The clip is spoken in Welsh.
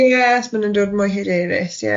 Ie os ma nhw'n dod yn mwy hyderus ie.